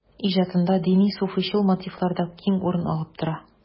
Иҗатында дини-суфыйчыл мотивлар да киң урын алып тора.